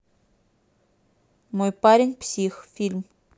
мой парень псих фильм